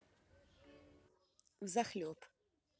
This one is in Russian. взахлеб